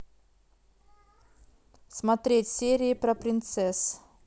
смотреть серии про принцесс